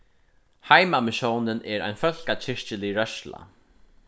heimamissiónin er ein fólkakirkjulig rørsla